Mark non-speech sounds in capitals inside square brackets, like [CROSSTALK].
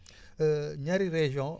[BREATH] [HESITATION] ñaari régions